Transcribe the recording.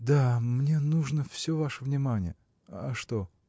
– Да, мне нужно все ваше внимание; а что?